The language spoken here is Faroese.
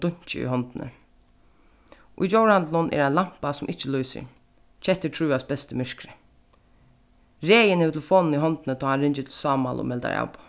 dunki í hondini í djórahandlinum er ein lampa sum ikki lýsir kettur trívast best í myrkri regin hevur telefonina í hondini tá hann ringir til sámal og meldar avboð